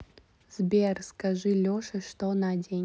сбер скажи леше что на день